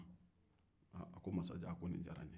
a ko ni diyara n ye masajan